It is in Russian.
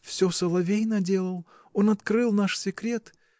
Всё соловей наделал: он открыл наш секрет.